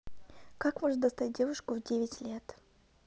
как можно достать девушку в девять лет